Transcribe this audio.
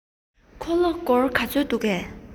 ཁོ ལ སྒོར ག ཚོད འདུག གམ